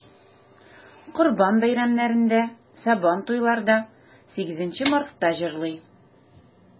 Корбан бәйрәмнәрендә, Сабантуйларда, 8 Мартта җырлый.